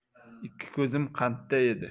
ikki ko'zim qandda edi